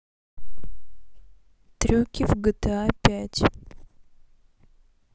трюки в гта пять